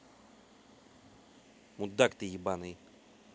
мудак ты ебаный